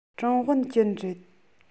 ཀྲང ཝུན ཅུན རེད